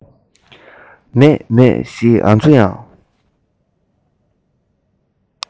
མཱེ མཱེ ཞེས ང ཚོ ཡང